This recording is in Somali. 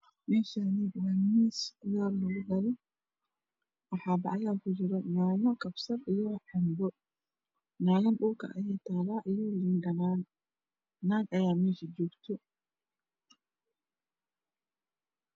Meshan waa miis qudar lakugado waxa bacyal kujira yaayo io kabsar io cambo yayad dhulka eey tala io liin dhanan naga ayaa mesha joogto